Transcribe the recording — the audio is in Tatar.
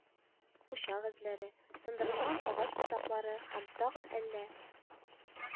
Учак эзләре, сындырылган агач ботаклары һәм тагын әллә